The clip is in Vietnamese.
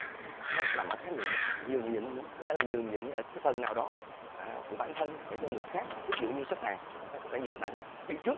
nó nằm ở khái niệm nhường nhịn nữa có thể là nhường nhịn ở cái phần nào đó của bản thân để cho người khác thí dụ như sắp hàng chúng ta có thể nhường bạn đi trước